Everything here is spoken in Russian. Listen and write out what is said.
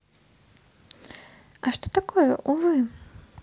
а что такое увы